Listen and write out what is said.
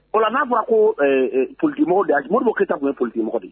O la n'a fɔra a ko polidimɔgɔ di a mori ko keyita tun yeolidimɔgɔ de